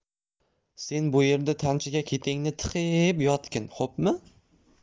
sen bu yerda tanchaga ketingni tiqii ib yotgin xo'pmi